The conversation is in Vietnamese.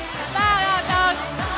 và